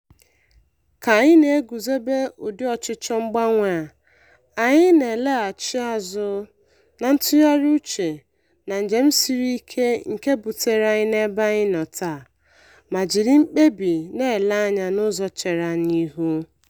Ka anyị na-eguzobe ụdị ọchịchị mgbanwe a, anyị na-eleghachị azu na ntụgharị uche na njem siri ike nke butere anyị n'ebe anyị nọ taa, ma jiri mkpebi na-ele anya n'ụzọ chere anyị ihu.